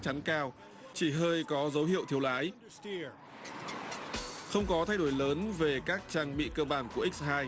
chắn cao chỉ hơi có dấu hiệu thiếu lái xe không có thay đổi lớn về các trang bị cơ bản của ếch xai